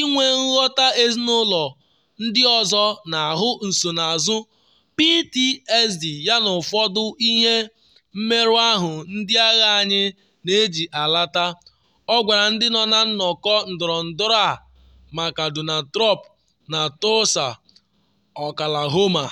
inwe nghọta ezinụlọ ndị ọzọ n’ahụ nsonazụ PTSD yana ụfọdụ ihe mmerụ ahụ ndị agha anyị na-eji alata,” ọ gwara ndị nọ na nnọkọ ndọrọndọrọ a maka Donald Trump na Tulsa, Oklahoma.